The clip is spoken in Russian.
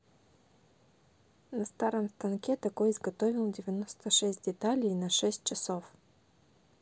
на старом станке такой изготовил девяносто шесть дателей на шесть часов